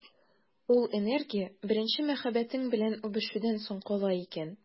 Ул энергия беренче мәхәббәтең белән үбешүдән соң кала икән.